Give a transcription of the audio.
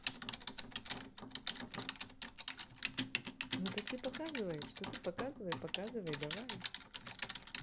ну так ты показывай что ты показывай показывай давай